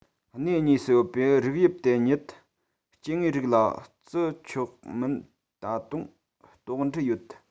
སྣེ གཉིས སུ ཡོད པའི རིགས དབྱིབས དེ ཉིད སྐྱེ དངོས རིགས ལ བརྩི ཆོག མིན ད དུང དོགས འདྲི ཡོད